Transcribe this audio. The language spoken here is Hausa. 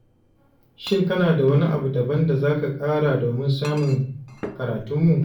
Shin kana da wani abu daban da za ka ƙara domin masu karatunmu?